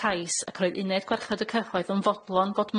cais ac roedd uned gwarchod y cyhoedd yn fodlon bod